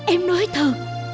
em nói thật